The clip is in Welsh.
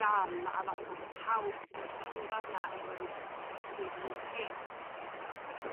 gam a fatha bo' pawb sy'n mynd drw' fanna efo ryw persbectif 'r un peth ac os 'dan ni'n